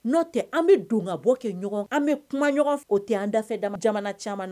N'o tɛ an bɛ don bɔ kɛ ɲɔgɔn an bɛ kuma ɲɔgɔn o tɛ an da dama jamana caman